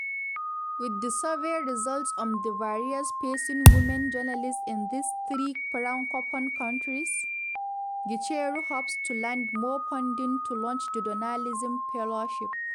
With the survey results on the barriers facing women journalists in these three francophone countries, Gicheru hopes to land more funding to launch the journalism fellowship.